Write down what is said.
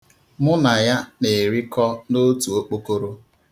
Mụ na ya na-erikọ n'otu okpokoro.